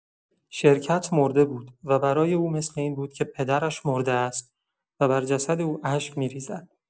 شرکت مرده بود و برای او مثل این بود که پدرش مرده است و بر جسد او اشک می‌ریزد.